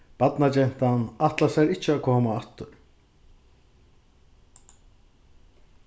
barnagentan ætlar sær ikki at koma aftur